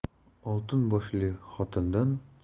oltin boshli xotindan